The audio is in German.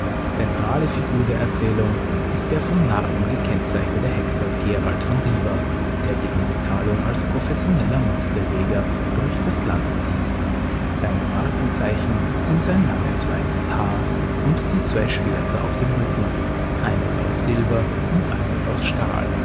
Zentrale Figur der Erzählung ist der von Narben gezeichnete Hexer Geralt von Riva, der gegen Bezahlung als professioneller Monsterjäger durch das Land zieht. Seine Markenzeichen sind sein langes weißes Haar und zwei Schwerter auf dem Rücken, eines aus Silber und eines aus Stahl